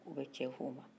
u bɛ cɛ f'o ma